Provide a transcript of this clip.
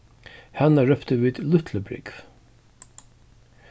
hana róptu vit lítlubrúgv